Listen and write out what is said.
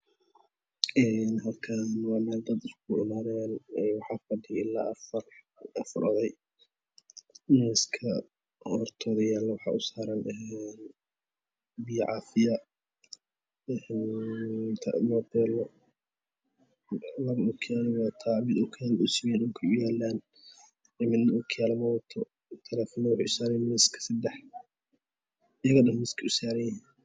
Een halkan waa meldad sigaimadan waxafadhiyo alla Afar oday miska hortodayalo waxa usara n biyocafiya lawa okiyalo watan midna okiyalo mawato talefonadawaxey usaran yihiinmiska sidax ayagadhan miskey usaranyihiin